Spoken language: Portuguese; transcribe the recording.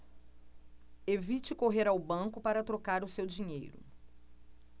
evite correr ao banco para trocar o seu dinheiro